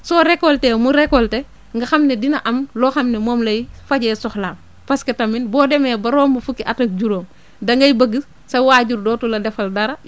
soo récolter mu récolter nga xam ne dina am loo xam ne moom lay fajee soxlaam parce que tamit boo demee ba romb fukki at ak juróom dangay bëgg sa waajur dootu la defal dara